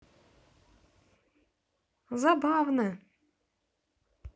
забавно